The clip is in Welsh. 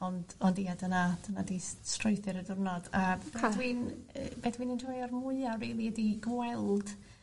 Ond odi a dyna 'di s- strwythur y diwrnod a... Ie. ...a dwi'n... Yy be dwi'n enjoio'r mwya rili ydi gweld